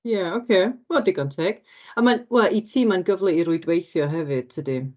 Ie ok. Wel digon teg. A mae... wel, i ti mae'n gyfle i rwydweithio hefyd tydi?